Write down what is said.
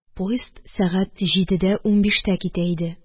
Поезд сәгать җиде дә унбиштә китә иде.